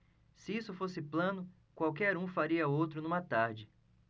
se isso fosse plano qualquer um faria outro numa tarde